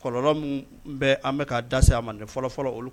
Kɔlɔn minnu an bɛka ka da se a mande fɔlɔfɔlɔ olu